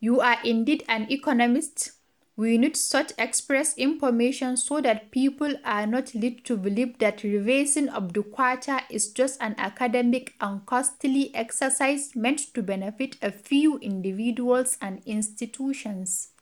you are indeed and economist, we need such express information so that people are not lead to believe that rebasing of the Kwacha is just an acamedic & costly exercise meant to benefit a few individuals and institutions.